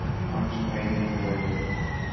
qon chiqmaydigan joyiga ur